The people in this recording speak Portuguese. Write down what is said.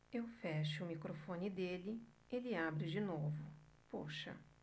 eu fecho o microfone dele ele abre de novo poxa